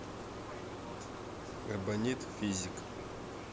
эбонит физик